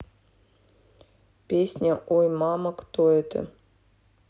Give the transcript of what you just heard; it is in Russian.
песня ой мама кто это